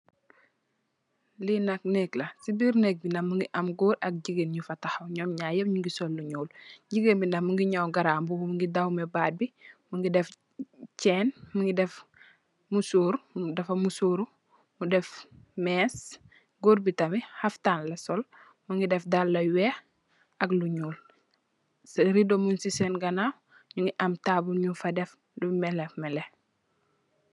Lii nak nekla. Si birr nekbi nak mungi ameh gorr nyufa tahaw nyom nyarr nyep nyingi sol lu nyul. gigeen bi nak mungi nyaw garambuba mungi dawmeh batbi, mungi deff chen mingi deff musorr, dafa musoru mu deff mess. Gorr bi tamit haftan la sol Mungi deff dala yu weh ak lu nyul rido mungi sen ganaw mungi am tabule yuny fa deff luy melahmelah